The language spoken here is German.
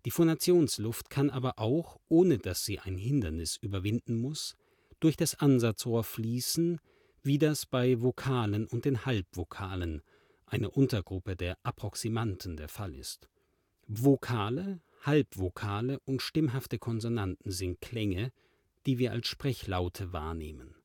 Phonationsluft kann aber auch, ohne dass sie ein Hindernis überwinden muss, durch das Ansatzrohr fließen, wie das bei Vokalen und den Halbvokalen, einer Untergruppe der Approximanten der Fall ist. Vokale, Halbvokale und stimmhaften Konsonanten sind Klänge, die wir als Sprechlaute wahrnehmen